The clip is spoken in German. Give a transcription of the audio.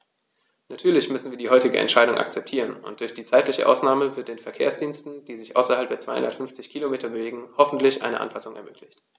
Natürlich müssen wir die heutige Entscheidung akzeptieren, und durch die zeitliche Ausnahme wird den Verkehrsdiensten, die sich außerhalb der 250 Kilometer bewegen, hoffentlich eine Anpassung ermöglicht.